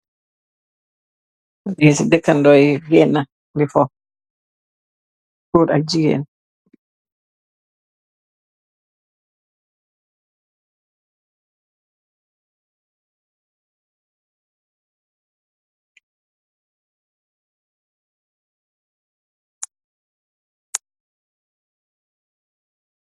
Bess dëkkandoo yi géenna di fo goor ak jigeen